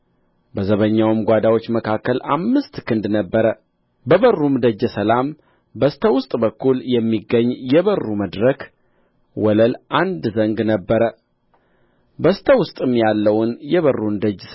በዘበኛውም ጓዳዎች መካከል አምስት ክንድ ነበረ በበሩም ደጀ ሰላም በስተ ውስጥ በኩል የሚገኝ የበሩ የመድረክ ወለል አንድ ዘንግ ነበረ በስተ ውስጥም ያለውን የበሩን ደጀ